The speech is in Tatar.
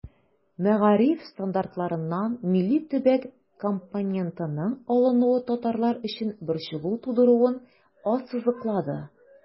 Мәгариф стандартларыннан милли-төбәк компонентының алынуы татарлар өчен борчылу тудыруын ассызыклады.